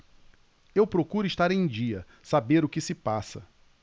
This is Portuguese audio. eu procuro estar em dia saber o que se passa